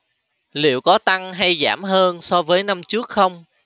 liệu có tăng hay giảm hơn so với năm trước không